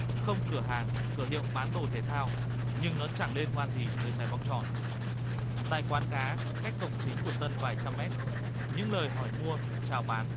không cửa hàng cửa hiệu bán đồ thể thao nhưng nó chẳng liên quan gì tới trái bóng tròn tại quán cá cách cổng chính của sân vài trăm mét những lời hỏi mua chào bán